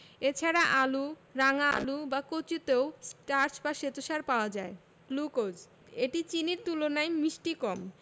এছাড়া আলু রাঙা আলু বা কচুতেও শ্বেতসার বা স্টার্চ পাওয়া যায় গ্লুকোজ এটি চিনির তুলনায় মিষ্টি কম